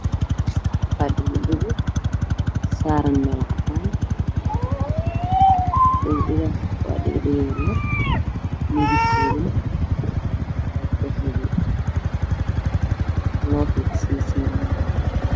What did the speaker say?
Waxaa ii muuqda laga dhagood oo saaran meel caddaan ah kalarkooda wadaagi